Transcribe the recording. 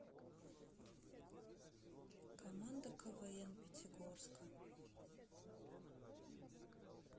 команда квн пятигорска